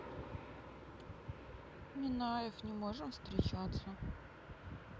минаев не можем встречаться